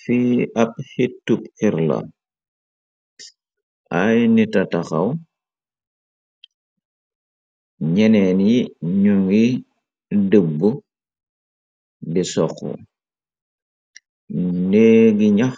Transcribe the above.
Fi ab hitub xirla ay nita taxaw ñyeneen yi ñyu ngi debbu di sohxu negi nyax